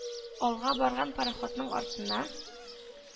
Алга барган пароходның артыннан